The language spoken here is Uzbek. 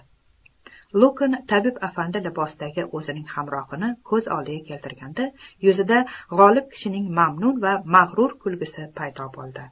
lukn tabib afandi libosidagi o'zining hamrohini ko'z oldiga keltirganda yuzida g'olib kishining mamnun va mag'rur kulgisi paydo bo'ldi